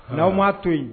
Naw m ma'a to